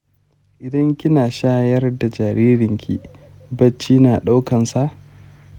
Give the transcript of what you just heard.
idan kina shayar da jaririnki bacci na daukansa?